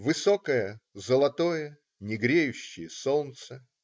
Высокое, золотое, негреющее солнце.